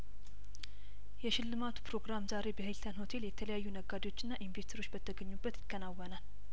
የሽልማቱ ፕሮግራም ዛሬ በኂልተን ሆቴል የተለያዩ ነጋዴዎችና ኢንቨስተሮች በተገኙበት ይከናወናል